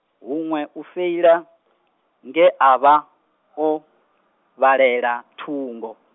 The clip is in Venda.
huṅwe u feila, nge a vha o, vhalela, thungo.